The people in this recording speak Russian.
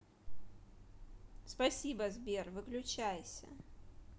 спасибо сбер выключайся